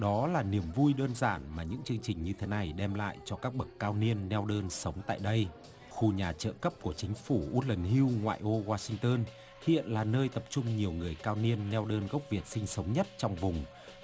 đó là niềm vui đơn giản mà những chương trình như thế này đem lại cho các bậc cao niên neo đơn sống tại đây khu nhà trợ cấp của chính phủ uất lần hiu ngoại ô oa sinh tơn hiện là nơi tập trung nhiều người cao niên neo đơn gốc việt sinh sống nhất trong vùng